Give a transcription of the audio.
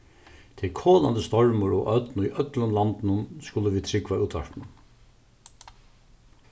tað er kolandi stormur og ódn í øllum landinum skulu vit trúgva útvarpinum